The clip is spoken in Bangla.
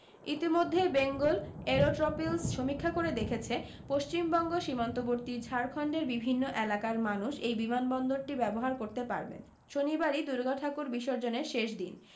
ইতিমধ্যেই বেঙ্গল এরোট্রপিলস সমীক্ষা করে দেখেছে পশ্চিমবঙ্গ সীমান্তবর্তী ঝাড়খণ্ডের বিভিন্ন এলাকার মানুষ এই বিমানবন্দরটি ব্যবহার করতে পারবেন শনিবারই দুর্গা ঠাকুর বিসর্জনের শেষ দিন